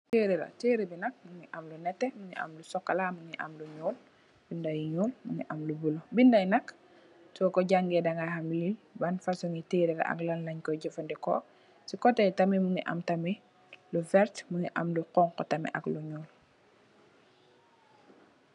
Terex la tere bi nak mungi am lu neteh lu sokola mogi am lu nuul binda yu nuul mungi am lu bulu biday nak so ko jangex daga xam le ban fosongi tere la ak lan len koi jefendeko si kote tam mongi am tamit lu vert mungi am lu xonxu tamit am lu nuul.